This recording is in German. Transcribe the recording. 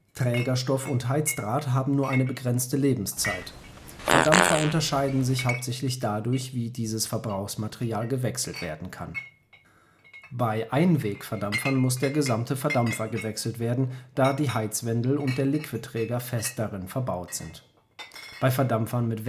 Trägerstoff und Heizdraht haben nur eine begrenzte Lebenszeit. Verdampfer unterscheiden sich hauptsächlich dadurch, wie dieses Verbrauchsmaterial gewechselt werden kann: Einweg-Verdampfer Man muss den gesamten Verdampfer wechseln, da die Heizwendel und der Liquidträger fest darin verbaut sind. Verdampfer mit wechselbaren